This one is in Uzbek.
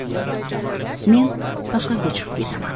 men tashqariga chiqib ketaman